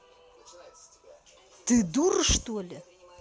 ты дура чтоли